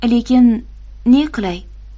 lekin neqilay